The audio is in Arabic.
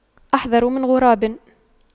أحذر من غراب